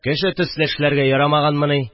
Кеше төсле эшләргә ярамаганмыни